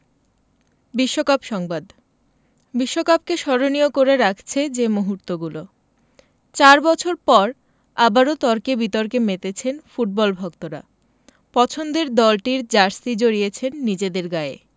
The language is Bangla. বিশ্বকাপ সংবাদ বিশ্বকাপকে স্মরণীয় করে রাখছে যে মুহূর্তগুলো চার বছর পর আবারও তর্ক বিতর্কে মেতেছেন ফুটবল ভক্তরা পছন্দের দলটির জার্সি জড়িয়েছেন নিজেদের গায়ে